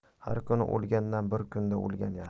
har kuni o'lgandan bir kunda o'lgan yaxshi